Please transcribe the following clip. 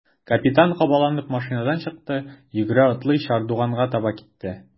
Капитан кабаланып машинадан чыкты, йөгерә-атлый чардуганга таба китте.